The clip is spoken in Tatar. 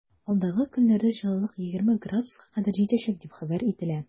Алдагы көннәрдә җылылык 20 градуска кадәр җитәчәк дип хәбәр итәләр.